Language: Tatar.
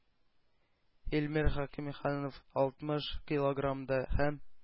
Илмир Хәкимханов алтмыш килограммда һәм